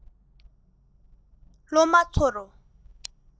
སློབ མ ཚོར